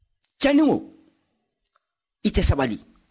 cɛnin wo i tɛ sabali